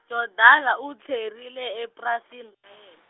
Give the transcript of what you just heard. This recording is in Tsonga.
Jordaan u tlhelerile epurasini ra ye-.